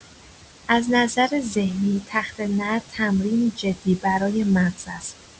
از نظر ذهنی، تخته‌نرد تمرینی جدی برای مغز است.